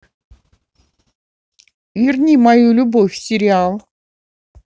верни мою любовь сериал